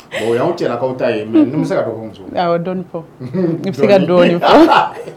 O' cɛlakaw ta ye mɛ n bɛ se ka donmuso dɔn i bɛ se ka dɔn